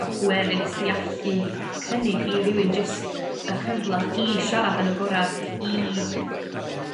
a pwerus i allu cynnig i rywun jyst y cyfla i siarad yn agorad i